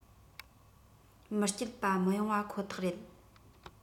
མི སྐྱིད བ མི ཡོང པ ཁོ ཐག རེད